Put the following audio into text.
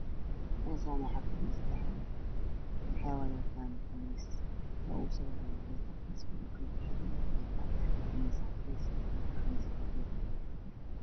Meshan waza fadhiya sedax nin waxey wadwatan qamiis qamis baluug ah kan kuxiga waxow wara qamis cades ah io qamis kafey